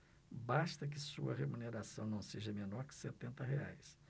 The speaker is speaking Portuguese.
basta que sua remuneração não seja menor que setenta reais